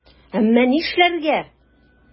Әмма нишләргә?!